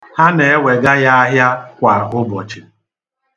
Ha na-ewega ya ahịa kwa ụbọchị